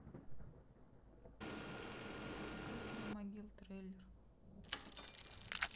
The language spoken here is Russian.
искатели могил трейлер